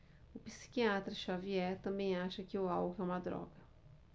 o psiquiatra dartiu xavier também acha que o álcool é uma droga